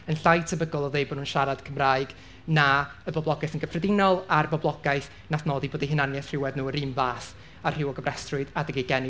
yn llai tebygol o ddeud bod nhw'n siarad Cymraeg na y boblogaeth yn gyffredinol a'r boblogaeth wnaeth nodi bod eu hunaniaeth rhywedd nhw'r un fath â'r rhyw a gofrestrwyd adeg eu geni.